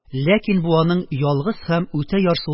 Ләкин бу – аның ялгыз һәм үтә ярсулы